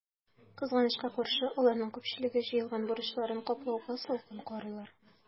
Кызганычка каршы, аларның күпчелеге җыелган бурычларын каплауга салкын карыйлар.